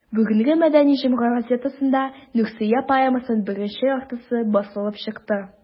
Бүгенге «Мәдәни җомга» газетасында «Нурсөя» поэмасының беренче яртысы басылып чыкты.